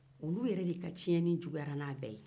oluw yɛrɛ de ka tiɲɛli juguyala n'a bɛɛ